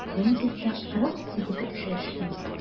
Бүген биредә 48 кеше эшли.